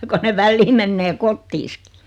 kun ne välillä menee kotiinsakin